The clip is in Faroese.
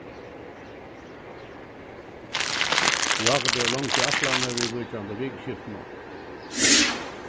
jákup hevur longu ætlanir viðvíkjandi vikuskiftinum